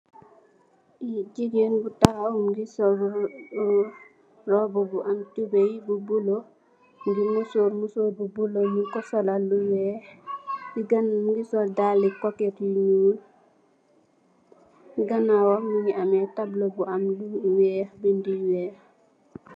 Li jigen bu taxaw sol robu bu bula bu am toubey am musor bu bula njung ko solal lu wex mugi sol kokét yu njul ci ganawam mugi am tablou bu am lu wex